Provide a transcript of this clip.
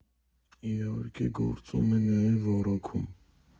Իհարկե, գործում է նաև առաքում։